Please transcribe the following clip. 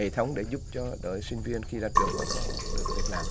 hệ thống để giúp cho đội sinh viên khi ra trường họ có được việc làm